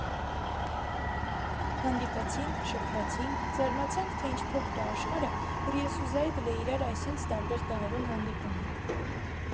Հանդիպեցինք, շփվեցինք, զարմացանք, թե ինչ փոքր ա աշխարհը, որ ես ու Զայդլը իրար այ սենց տարբեր տեղերում հանդիպում ենք։